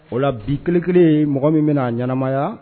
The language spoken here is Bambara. O la bi kelen kelen mɔgɔ min bɛna'a ɲɛnamaya